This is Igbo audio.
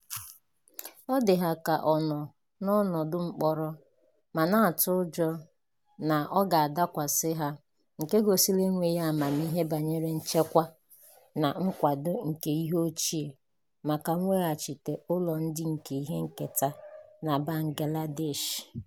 Ọ dị ha ka ọ nọ n'ọnọdụ mkpọkọrọ ma na-atụ ụjọ na ọ ga-adakwasị ha—nke gosiri enweghị amamihe banyere nchekwa na nkwado nke ihe ochie maka mweghachite ụlọ ndị nke ihe nketa na Bangladesh.